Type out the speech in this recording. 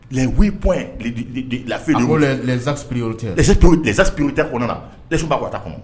Les 8 points les du du du la feuille de route à haut les les axes prioritaires les axes priori les axes prioritaires kɔnɔna élection b'a kɔnɔ wa a t'a kɔnɔ